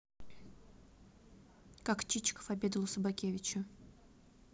как чичиков обедал у собакевича